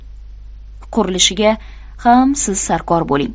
qurilishiga ham siz sarkor bo'ling